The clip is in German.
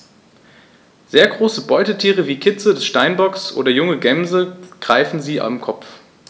Sehr große Beutetiere wie Kitze des Steinbocks oder junge Gämsen greifen sie am Kopf.